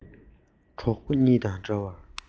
གྲོགས པོ གཉིས དང འདྲ བར